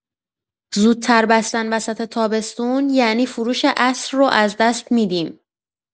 زودتر بستن وسط تابستون یعنی فروش عصر رو از دست می‌دیم.